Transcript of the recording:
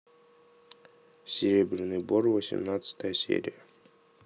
серебряный бор восемнадцатая серия